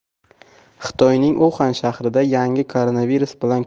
xitoyning uxan shahrida yangi koronavirus bilan